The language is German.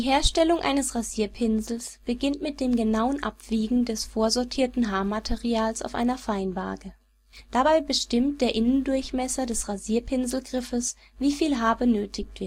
Herstellung eines Rasierpinsels beginnt mit dem genauen Abwiegen des vorsortierten Haarmaterials auf einer Feinwaage. Dabei bestimmt der Innendurchmesser des Rasierpinselgriffes, wie viel Haar benötigt